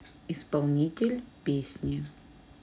исполнитель песни